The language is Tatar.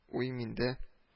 Уй миндә